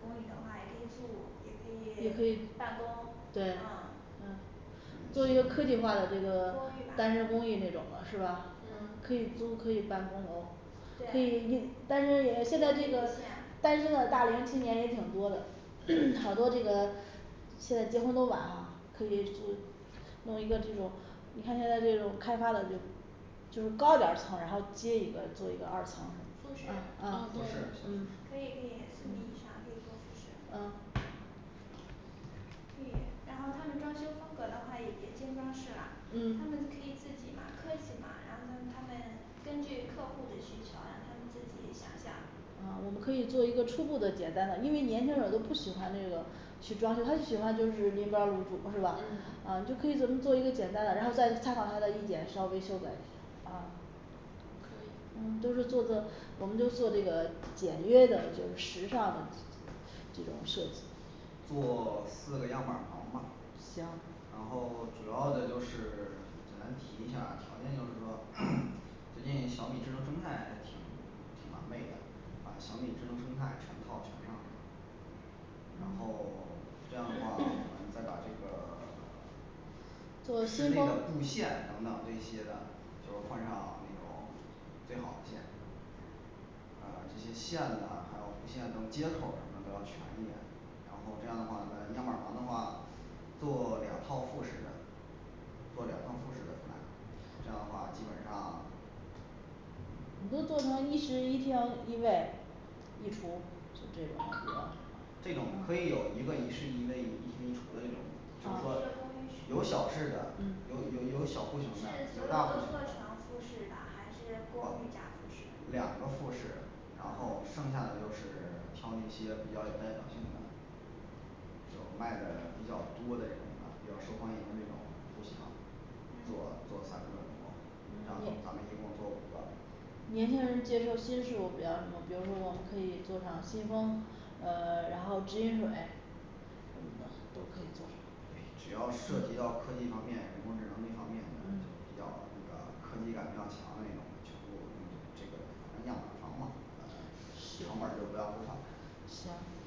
公寓的话也可以住也也可可以以办公对嗯，做一个科技化的这个单身公寓公寓这种的是吧？可嗯以租可以办公楼。可以也对 单身也现在这个单身的大龄青年也挺多的 好多这个现在结婚都晚了可以住弄一个这种你看现在这种开发的就就是高点儿层然后接一个做一个二层什么嗯嗯啊复复式对式嗯可以可嗯以可以做复式嗯可以然后他们装修风格的话也别精装饰了，他们嗯可以自己嘛科技嘛，然后他们根据客户的需求，让他们自己想象啊我们可以做一个初步的简单的，因为年轻人儿都不喜欢那个去装修，他就喜欢就是拎包入住是吧嗯？啊你就可以做一个简单的，然后再采访他的意见，稍微修改一下啊嗯可以都是做做我们就做这个简约的就是时尚的这种设计做四个样板儿房吧行然后主要的就是简单提一下儿条件就是说 最近小米智能生态挺挺完美的，把小米智能生态全套全上上然后 这样的话我们再把这个 做室精内装的布线等等这些的就是换上那种最好的线呃这些线呢还有无线等接口什么都要全一点儿。然后这样的话那样板房儿的话做两套复式的做两套复式的出来。这样的话基本上都做成一室一厅一卫一厨就这种，主要是这种可以有一个一室一卫一厅一厨的这种就啊是说就有公寓室小室的嗯有是所有都有有小户型的有大户型做的成复式的，还是不公寓加两个复式复式，然后剩下的就是挑那些比较有代表性的就卖的比较多的一种的比较受欢迎的这种就行嗯做做三个然后。这样子咱灭们一共做五个年轻人儿接受新事物不要那么，比如说我们可以坐上新风，呃 然后直饮水这种的都可以做上只要涉及嗯到科技方面，人工智能这方面的嗯比较那个科技感比较强的那种全部这个，反正样板房嘛呃成本儿行就不要估算行